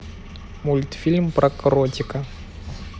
мультфильм про кротика